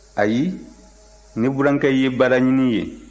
ayi ne burankɛ ye baaraɲini ye